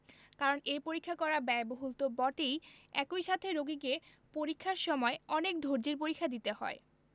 কারণ এই পরীক্ষা করা ব্যয়বহুল তো বটেই একই সাথে রোগীকে পরীক্ষার সময় অনেক ধৈর্য্যের পরীক্ষা দিতে হয়